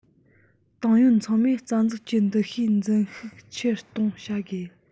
ཏང ཡོན ཚང མས རྩ འཛུགས ཀྱི འདུ ཤེས འཛིན ཤུགས ཆེར གཏོང བྱ དགོས